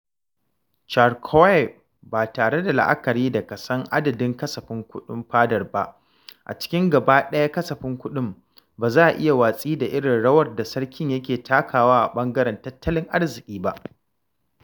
charquauuia: Ba tare da la'akari da kason adadin kasafin kuɗin fadar ba a cikin gaba ɗayan kasafin kuɗin, ba za a iya watsi da irin rawar da sarkin yake takawa a ɓangaren tattalin arziki ba.